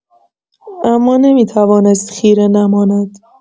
اما نمی‌توانست خیره نماند.